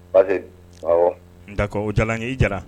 Pa dakɔ jala y'i jara